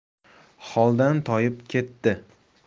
holdan toyib ketdi